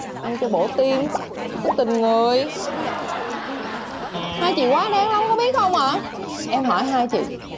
ăn cho bổ tim có tình người hai chị quá đáng lắm có biết không hả em hỏi hai chị